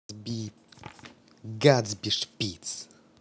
gatsby шпиц